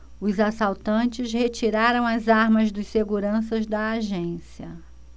os assaltantes retiraram as armas dos seguranças da agência